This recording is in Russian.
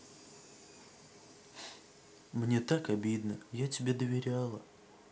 мне так обидно я тебе доверяла